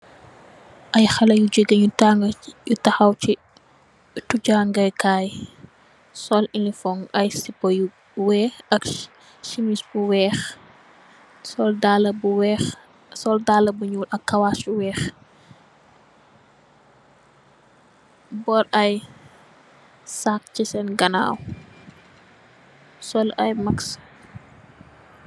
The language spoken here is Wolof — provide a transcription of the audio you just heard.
Ayy khaleh yu jigeen yu takhaw si étu jangehkay sol enufong ayy sipa yu weex ak simis bu weex sol dala bu weez sol dala bu nyool ak kawas yu weex boot ay sacc ci sen ganaw sol ay max.